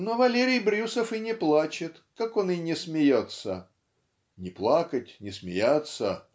Но Валерий Брюсов и не плачет, как он и не смеется "не плакать не смеяться